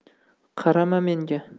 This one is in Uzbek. qarama menga